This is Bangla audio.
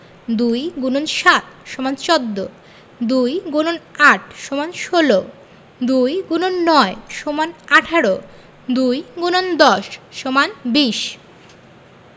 ২ X ৭ = ১৪ ২ X ৮ = ১৬ ২ X ৯ = ১৮ ২ ×১০ = ২০